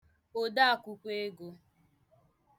òdeekwụkwọ egō